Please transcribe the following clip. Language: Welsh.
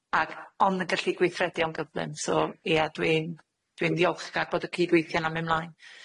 Ag ond yn gallu gweithredu o'n gyflym. So ie, dwi'n dwi'n ddiolchgar bod y cydweithio 'na'n myn' mlaen.